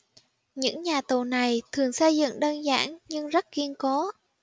những nhà tù này thường xây dựng đơn giản nhưng rất kiên cố